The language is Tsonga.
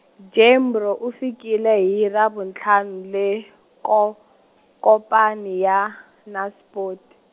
Jimbro u fikile hi Ravuntlhanu le ko-, komponi ya Naspoti.